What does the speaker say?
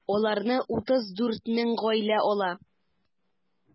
Аларны 34 мең гаилә ала.